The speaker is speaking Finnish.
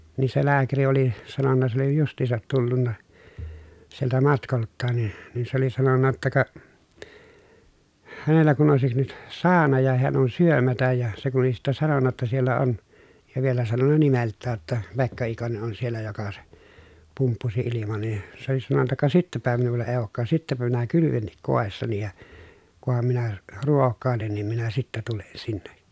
niin se lääkäri oli sanonut se oli justiinsa tullut sieltä matkoiltaan niin niin se oli sanonut jotta ka hänellä kun olisi nyt sauna ja hän on syömättä ja se kun oli sitten sanonut jotta siellä on ja vielä sanonut nimeltään että Pekka Ikonen on siellä joka se pumppusi ilman niin se oli sanonut ka sittenpä minulla ei olekaan sittenpä minä kylvenkin kodissani ja kunhan minä ruokailen niin minä sitten tulen sinne